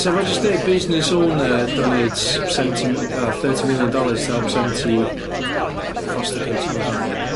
Sa fo jyst deud business owner donates seventy m- yy thirty million dollars to help seventy foster kids